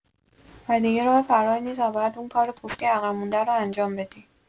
و دیگه راه فراری نیست و باید اون کار کوفتی عقب مونده رو انجام بدی!